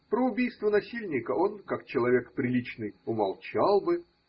Про убийство насильника он, как человек приличный, умолчал бы.